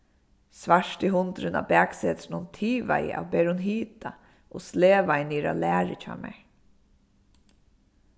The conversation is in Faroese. svarti hundurin á baksetrinum tivaði av berum hita og slevaði niður á lærið hjá mær